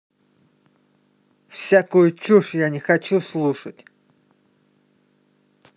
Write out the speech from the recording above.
всякую чушь я не хочу слушать